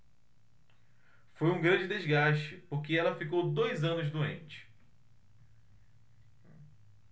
foi um grande desgaste porque ela ficou dois anos doente